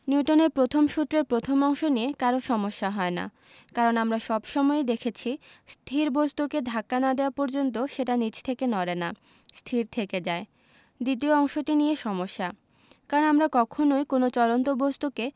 নিউটনের প্রথম সূত্রের প্রথম অংশ নিয়ে কারো সমস্যা হয় না কারণ আমরা সব সময়ই দেখেছি স্থির বস্তুকে ধাক্কা না দেওয়া পর্যন্ত সেটা নিজে থেকে নড়ে না স্থির থেকে যায় দ্বিতীয় অংশটি নিয়ে সমস্যা কারণ আমরা কখনোই কোনো চলন্ত বস্তুকে